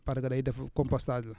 parce que day def compostage la